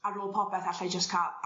ar ôl popeth allai jyst ca'l